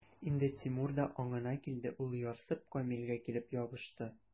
Инде Тимур да аңына килде, ул, ярсып, Камилгә килеп ябышты.